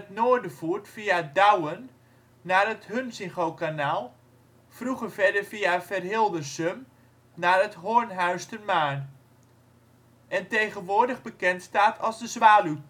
noorden voert via Douwen naar het Hunsingokanaal (vroeger verder via Verhildersum naar het Hornhuistermaar) en tegenwoordig bekendstaat als de Zwaluwtocht. De Zwaluw